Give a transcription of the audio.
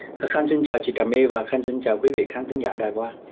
khanh xin chào chị trà my và khanh xin chào quý vị khán thính giả đài voa